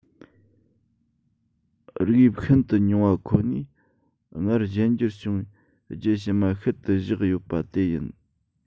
རིགས དབྱིབས ཤིན ཏུ ཉུང བ ཁོ ནས སྔར གཞན འགྱུར བྱུང བའི རྒྱུད ཕྱི མ ཤུལ ཏུ བཞག ཡོད པ དེ ཡིན